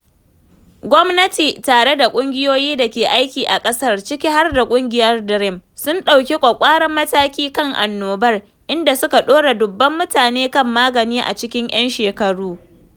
Gwamnati tare da ƙungiyoyi da ke aiki a ƙasar, ciki har da ƙungiyar DREAM, sun ɗauki ƙwaƙƙwaran mataki kan annobar, inda suka ɗora dubban mutane kan magani a cikin ‘yan shekaru.